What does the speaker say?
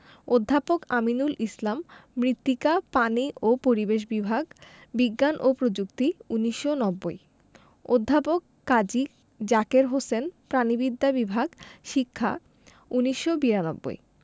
অধ্যাপক আমিনুল ইসলাম মৃত্তিকা পানি ও পরিবেশ বিভাগ বিজ্ঞান ও প্রযুক্তি ১৯৯০ অধ্যাপক কাজী জাকের হোসেন প্রাণিবিদ্যা বিভাগ শিক্ষা ১৯৯২